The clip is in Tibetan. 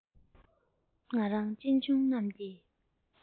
ང རང གཅེན གཅུང རྣམས ཀྱི